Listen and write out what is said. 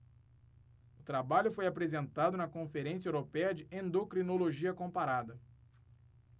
o trabalho foi apresentado na conferência européia de endocrinologia comparada